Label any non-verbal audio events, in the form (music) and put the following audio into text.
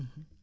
(hesitation) (hesitation)